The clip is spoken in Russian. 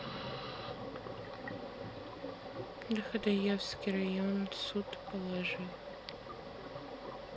дахадаевский район суд положи